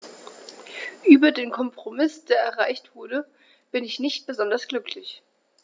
Über den Kompromiss, der erreicht wurde, bin ich nicht besonders glücklich.